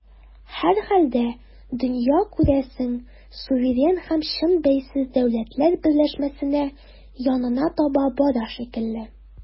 Һәрхәлдә, дөнья, күрәсең, суверен һәм чын бәйсез дәүләтләр берләшмәсенә янына таба бара шикелле.